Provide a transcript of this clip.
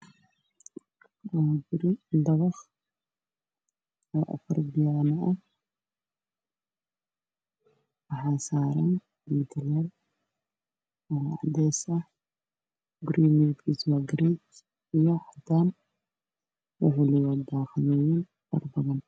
Waa guri dabaq afar biyaano ah